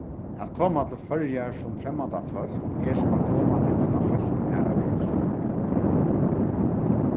at koma til føroyar sum fremmandafólk er sum at koma til eina heilt aðra verð